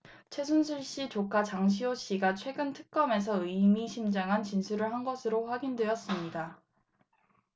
최순실 씨 조카 장시호 씨가 최근 특검에서 의미심장한 진술을 한 것으로 확인됐습니다